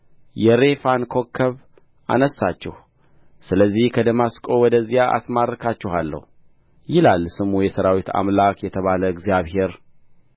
የሬፋን ኮከብ አነሣችሁ ስለዚህ ከደማስቆ ወደዚያ አስማርካችኋለሁ ይላል ስሙ የሠራዊት አምላክ የተባለ እግዚአብሔር